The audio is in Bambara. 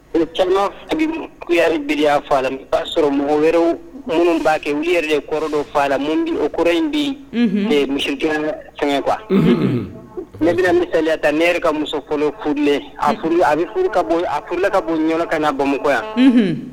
O camanri biriya faga la b'a sɔrɔ mɔgɔw wɛrɛ minnu b'a kɛ yɛrɛ de kɔrɔ dɔ' la minnudi o kɔrɔ in bɛ muso kelen fɛn kuwa neb taya ta ne yɛrɛ ka muso kɔnɔ kuruurlen a a bɛ ala ka bon ɲɔgɔn ka na bamakɔmoya